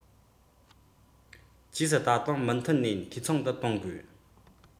རྗེས སུ ད དུང མུ མཐུད ནས འཐུས ཚང དུ གཏོང དགོས